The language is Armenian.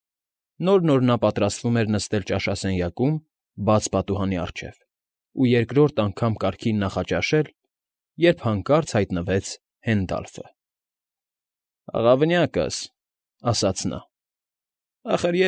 Նոր֊նոր նա պատրաստվում էր նստել ճաշասենյակում, բաց պատուհանի առջև, ու երկրորդ անգամ կարգին նախաճաշել, երբ հանկարծ հայտնվեց Հենդալֆը։ ֊ Աղավնյակս,֊ ասաց նա,֊ ախր։